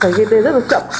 phải gây tê rất chậm